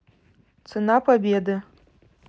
цена победы